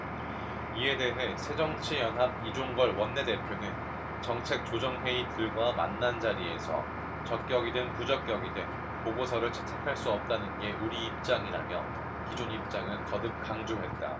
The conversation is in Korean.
이에 대해 새정치연합 이종걸 원내대표는 정책조정회의 들과 만난 자리에서 적격이든 부적격이든 보고서를 채택할 수 없다는 게 우리 입장이라며 기존 입장을 거듭 강조했다